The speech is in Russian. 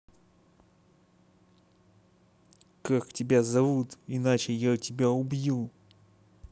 как тебя зовут иначе я тебя убью